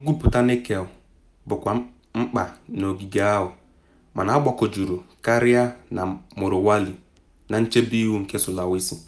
Ngwụpụta nickel bụkwa mkpa n’ogige ahụ, mana agbakojuru karịa na Morowali, na nchebe ihu nke Sulawesi.